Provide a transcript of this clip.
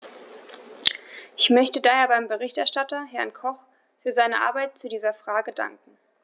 Ich möchte daher dem Berichterstatter, Herrn Koch, für seine Arbeit zu dieser Frage danken.